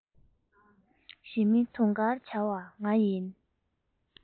ཞི མི དུང དཀར བྱ བ ང ཡིན